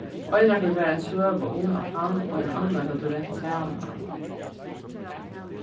einaferð var ein søga um at hann og ein annar høvdu rent saman